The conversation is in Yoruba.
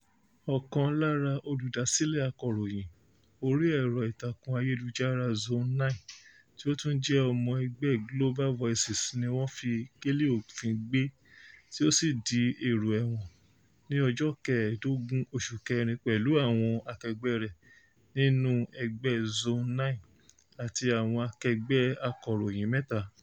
Ọkàn lára olùdásílẹ̀ akọ̀ròyìn orí ẹ̀rọ ìtàkùn ayélujára Zone9 tí ó tún jẹ́ ọmọ ẹgbẹ́ Global Voices ni wọ́n fi kélé òfin gbé tí ó sì di èrò ẹ̀wọ̀n ní ọjọ́ kẹẹ̀dógún oṣù kẹrin pẹ̀lú àwọn akẹgbẹ́ rẹ̀ nínú ẹgbẹ́ Zone9 àti àwọn akẹgbẹ́ akọ̀ròyìn mẹ́ta.